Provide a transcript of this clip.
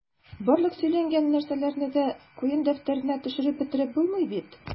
Барлык сөйләнгән нәрсәләрне дә куен дәфтәренә төшереп бетереп булмый бит...